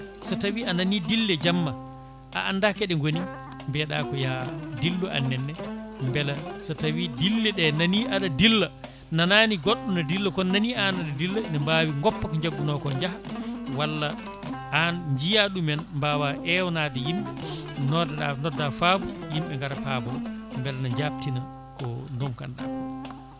so tawi a nani dille jamma a anda kooɗe gooni mbiyeɗa ko yaa dillu annene beela so tawi dille ɗe nani aɗa dilla nanani goɗɗo ne dilla kono nani an aɗa dilla ene mbawi goppa ko jagguno ko jaaha walla an jiiyaɗumen mbawa eeronade yimɓe nodda faabo yimɓe gaara paabo beele ne jabtina ko donkanɗa ko